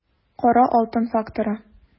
Кара алтын факторы